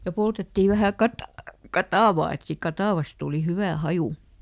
ja poltettiin vähän - katajaa että siitä katajasta tuli hyvä haju